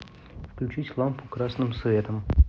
включить лампу красным цветом